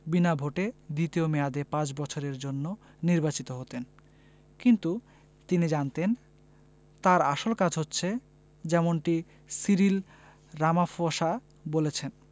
বিনা ভোটে দ্বিতীয় মেয়াদে পাঁচ বছরের জন্য নির্বাচিত হতেন কিন্তু তিনি জানতেন তাঁর আসল কাজ হচ্ছে যেমনটি সিরিল রামাফোসা বলেছেন